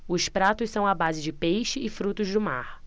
os pratos são à base de peixe e frutos do mar